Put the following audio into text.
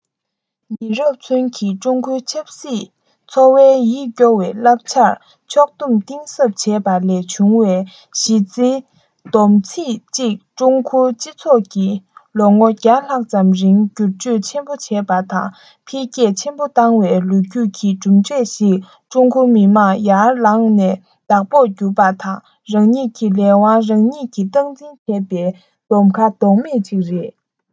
ཉེ རབས ཚུན གྱི ཀྲུང གོའི ཆབ སྲིད འཚོ བའི ཡིད སྐྱོ བའི བསླབ བྱར ཕྱོགས སྡོམ གཏིང ཟབ བྱས པ ལས བྱུང བའི གཞི རྩའི བསྡོམས ཚིག ཅིག ཀྲུང གོའི སྤྱི ཚོགས ཀྱིས ལོ ངོ ལྷག ཙམ རིང སྒྱུར བཅོས ཆེན པོ བྱས པ དང འཕེལ རྒྱས ཆེན པོ བཏང བའི ལོ རྒྱུས ཀྱི གྲུབ འབྲས ཤིག ཀྲུང གོ མི དམངས ཡར ལངས ནས བདག པོར གྱུར པ དང རང ཉིད ཀྱི ལས དབང རང ཉིད ཀྱིས སྟངས འཛིན བྱས པའི གདམ ག ལྡོག མེད ཅིག རེད